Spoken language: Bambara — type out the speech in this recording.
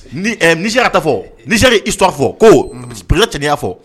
Ka fɔ ni ita fɔ kopi tiya fɔ